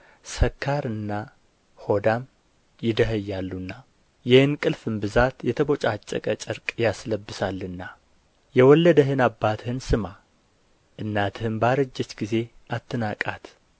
ሰካርና ሆዳም ይደኸያሉና የእንቅልፍም ብዛት የተቦጫጨቀ ጨርቅ ያስለብሳልና የወለደህን አባትህን ስማ እናትህም ባረጀች ጊዜ አትናቃት